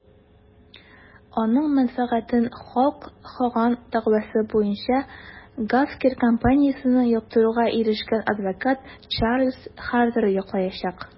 Аның мәнфәгатен Халк Хоган дәгъвасы буенча Gawker компаниясен яптыруга ирешкән адвокат Чарльз Хардер яклаячак.